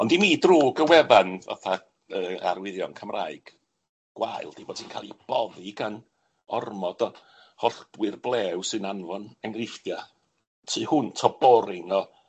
Ond i mi, drwg y wefan fatha yy arwyddion Cymraeg, gwael ydi bod hi'n cael 'i boddi gan ormod o holltwyr blew sy'n anfon enghreifftia tu hwnt o boring o